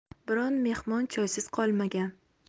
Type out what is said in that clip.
biron mehmon choysiz qolmagan